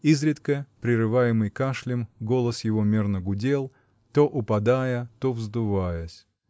изредка прерываемый кашлем, голос его мерно гудел, то упадая, то вздуваясь.